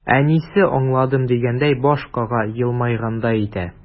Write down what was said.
Әнисе, аңладым дигәндәй баш кага, елмайгандай итә.